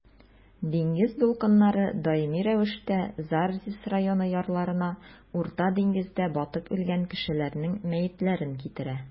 Диңгез дулкыннары даими рәвештә Зарзис районы ярларына Урта диңгездә батып үлгән кешеләрнең мәетләрен китерә.